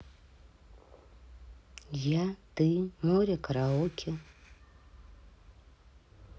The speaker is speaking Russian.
я ты море караоке